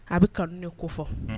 A bɛ kanu de ko fɔ